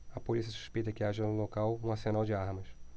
a polícia suspeita que haja no local um arsenal de armas